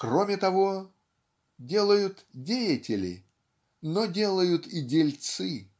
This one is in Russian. Кроме того, делают деятели, но делают и дельцы.